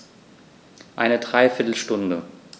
Eine dreiviertel Stunde